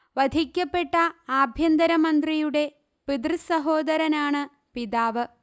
വധിക്കപ്പെട്ട ആഭ്യന്തര മന്ത്രിയുടെ പിതൃ സഹോദരനാണ് പിതാവ്